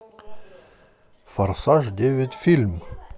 форсаж девять фильм